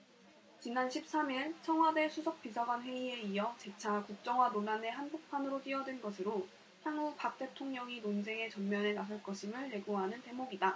지난 십 삼 일 청와대 수석비서관회의에 이어 재차 국정화 논란의 한복판으로 뛰어든 것으로 향후 박 대통령이 논쟁의 전면에 나설 것임을 예고하는 대목이다